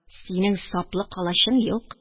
Синең саплы калачың юк